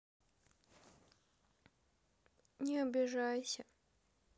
не обижайся